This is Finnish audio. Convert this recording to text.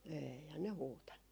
eihän ne huutanut